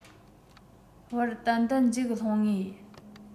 བར ཏན ཏན འཇིགས སློང ངེས